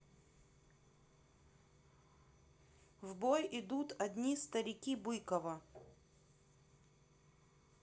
в бой идут одни старики быкова